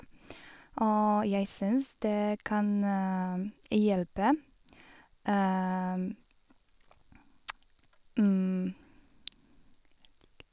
Og jeg syns det kan hjelpe Jeg vet ikke.